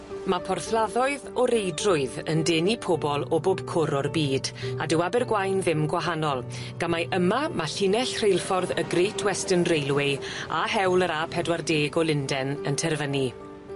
Ma' porthladdoedd o reidrwydd yn denu pobol o bob cwr o'r byd a dyw Abergwaun ddim gwahanol gan mai yma ma' llinell rheilffordd y Great Western Railway a hewl yr A pedwar deg o Lunden yn terfynu.